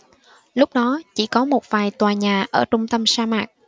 lúc đó chỉ có một vài tòa nhà ở trung tâm sa mạc